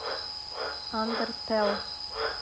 андер тэл